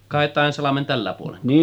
Kaitainsalmen tällä puolenko